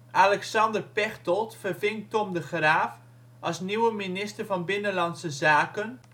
Alexander Pechtold verving Thom de Graaf als nieuwe minister van Binnenlandse zaken